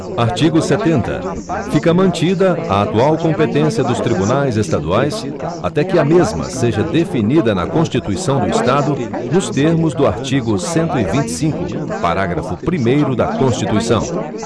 artigo setenta fica mantida a atual competência dos tribunais estaduais até que a mesma seja definida na constituição do estado nos termos do artigo cento e vinte e cinco parágrafo primeiro da constituição